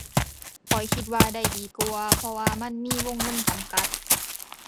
ข้อยคิดว่าได้ดีกว่า เพราะว่ามันมีวงเงินจำกัด